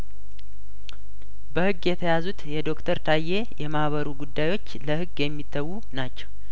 በህግ የተያዙት የዶክተር ታዬ የማህበሩ ጉዳዮች ለህግ የሚተዉ ናቸው